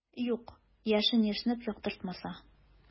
Юк, яшен яшьнәп яктыртмаса.